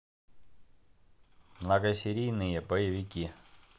многосерийные боевики